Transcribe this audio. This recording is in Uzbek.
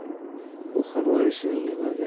u ham oyisining yig'laganini